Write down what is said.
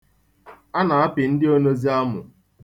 A na-apị ndị onozi amụ.